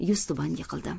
yuztuban yiqildim